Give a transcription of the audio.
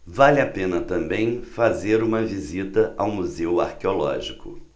vale a pena também fazer uma visita ao museu arqueológico